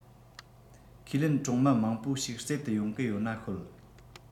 ཁས ལེན གྲོང མི མང པོ ཞིག རྩེད དུ ཡོང གི ཡོད ན ཤོད